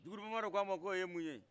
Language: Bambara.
jugudu bamaadɔ ko a ma a ko o ye mun ye